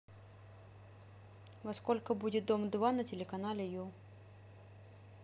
во сколько будет дом два на телеканале ю